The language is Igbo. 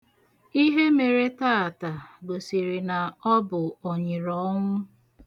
Ihe mere taata gosiri na ọ bụ ọ̀nyị̀rọ̀ọnwụ.